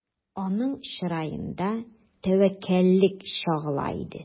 Аның чыраенда тәвәккәллек чагыла иде.